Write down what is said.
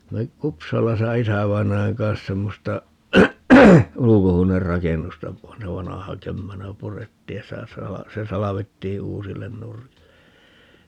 minä olin Kupsalassa isävainajan kanssa semmoista ulkohuonerakennusta - vanha kömmänä purettiin ja sitä - se salvettiin uusille nurkille